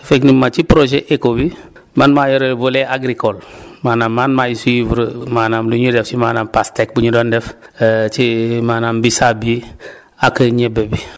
* ci projet ECHO bi man maa yore volet agricole maanaam man maay suivre maanaam lu ñuy def si maanaam pastèque bu ñu doon def ci maanaam bisaab bi ak ñebe bi